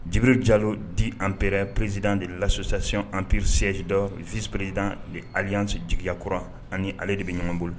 Dibiri jalo di anpereɛrɛpererizd de lassasiyɔnprissiysi dɔfispereed de ali ansojya kura ani ale de bɛ ɲɔgɔn bolo